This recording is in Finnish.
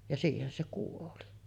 ja siihen se kuoli